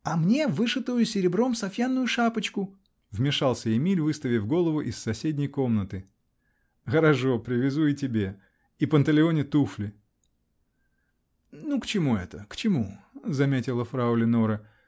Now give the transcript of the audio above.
-- А мне вышитую серебром сафьянную шапочку, -- вмешался Эмиль, выставив голову из соседней комнаты. -- Хорошо, привезу и тебе. и Панталеоне туфли. -- Ну к чему это? к чему? -- заметила фрау Леноре.